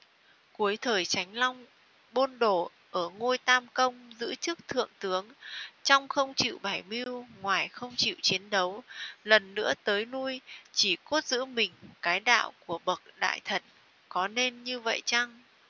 cuối thời chánh long bôn đổ ở ngôi tam công giữ chức thượng tướng trong không chịu bày mưu ngoài không chịu chiến đấu lần lữa tới lui chỉ cốt giữ mình cái đạo của bậc đại thần có nên như vậy chăng